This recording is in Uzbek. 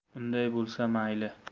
unday bo'lsa mayli